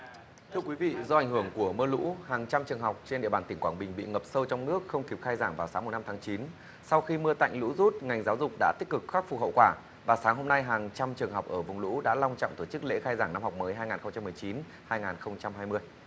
thưa quý vị do ảnh hưởng của mưa lũ hàng trăm trường học trên địa bàn tỉnh quảng bình bị ngập sâu trong nước không kịp khai giảng vào sáng mùng năm tháng chín sau khi mưa tạnh lũ rút ngành giáo dục đã tích cực khắc phục hậu quả và sáng hôm nay hàng trăm trường học ở vùng lũ đã long trọng tổ chức lễ khai giảng năm học mới hai ngàn không trăm mười chín hai ngàn không trăm hai mươi